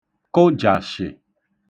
kụjà(shị̀)